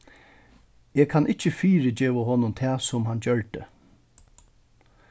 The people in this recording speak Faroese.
eg kann ikki fyrigeva honum tað sum hann gjørdi